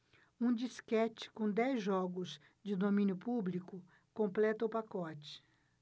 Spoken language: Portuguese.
um disquete com dez jogos de domínio público completa o pacote